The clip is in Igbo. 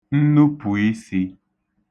nnupụ̀isī